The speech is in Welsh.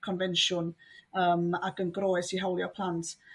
yym ag yn groes i hawlia' plant.